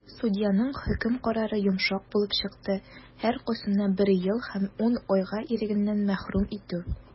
Судьяның хөкем карары йомшак булып чыкты - һәркайсына бер ел һәм 10 айга ирегеннән мәхрүм итү.